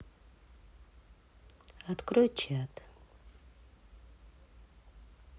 открой чат